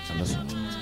Sanga